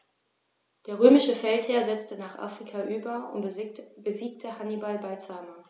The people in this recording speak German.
Der römische Feldherr setzte nach Afrika über und besiegte Hannibal bei Zama.